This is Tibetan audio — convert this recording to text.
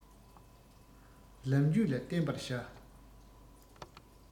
ལམ རྒྱུད ལ བརྟེན པར བྱ